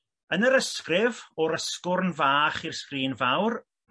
Yn yr ysgrif O'r Ysgwrn Fach i'r Sgrin Fawr